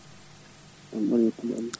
*